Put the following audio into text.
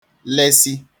lesi